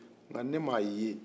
nka ni ne ma ye